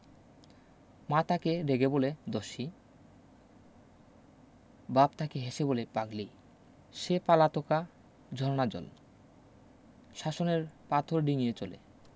মা তাকে রেগে বলে দস্যি বাপ তাকে হেসে বলে পাগলি সে পালাতকা ঝরনা জল শাসনের পাথর ডিঙ্গিয়ে চলে